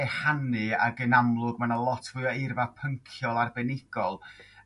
ehan'u ag yn amlwg ma' 'na lot fwy o eirfa pynciol arbenigol